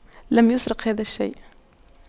لم يسرق هذا الشيء